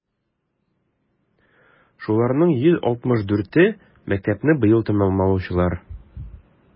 Шуларның 164е - мәктәпне быел тәмамлаучылар.